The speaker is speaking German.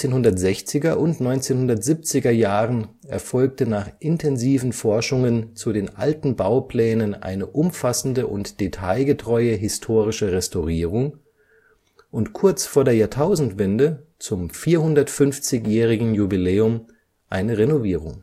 1960er - und 1970er-Jahren erfolgte nach intensiven Forschungen zu den alten Bauplänen eine umfassende und detailgetreue historische Restaurierung und kurz vor der Jahrtausendwende zum 450-jährigen Jubiläum eine Renovierung